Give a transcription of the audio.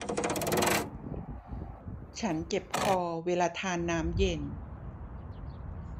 ฉันเจ็บคอเวลาทานน้ำเย็น